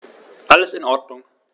Alles in Ordnung.